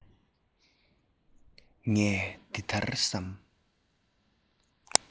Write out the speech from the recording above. ངས འདི ལྟར བསམ